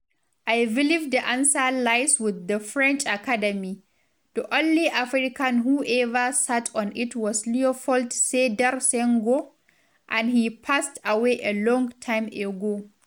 I believe the answer lies with the French Academy: the only African who ever sat on it was Léopold Sédar Senghor, and he passed away a long time ago.